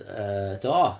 Yy, do!